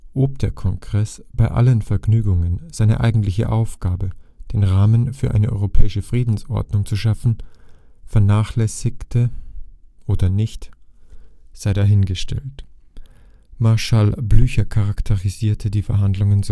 Ob der Kongress bei allen Vergnügungen seine eigentliche Aufgabe – den Rahmen für eine europäische Friedensordnung zu schaffen – vernachlässigte oder nicht, sei dahingestellt. Marschall Blücher charakterisierte die Verhandlungen